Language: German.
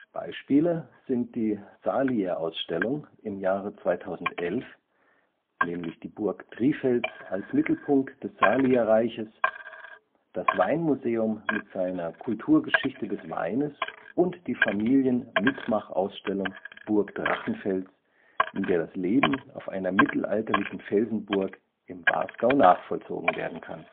Beispiele sind die Salierausstellung im Jahre 2011 (Burg Trifels als Mittelpunkt des Salierreiches), das Weinmuseum mit seiner Kulturgeschichte des Weines und die Familien Mitmachausstellung „ Burg Drachenfels “, in der das Leben auf einer mittelalterlichen Felsenburg im Wasgau nachvollzogen werden kann